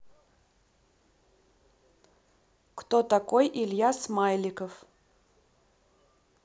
кто такой илья смайликов